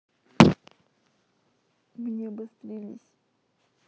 мне обострились